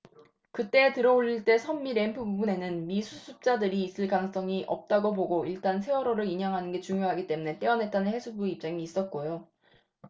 그때 들어올릴 때 선미 램프 부분에는 미수습자들이 있을 가능성이 없다고 보고 일단 세월호를 인양하는 게 중요하기 때문에 떼어냈다는 해수부의 입장이 있었고요